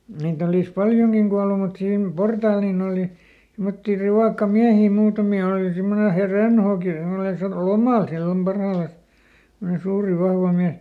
niitä olisi paljonkin kuollut mutta siinä portaalla niin oli semmoisia rivakkamiehiä muutamia oli semmoinen - Rönhooki semmoinen sattui lomalla silloin parhaillaan semmoinen suuri vahva mies